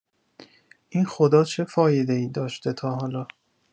این خدا چه فایده‌ای داشته تا حالا؟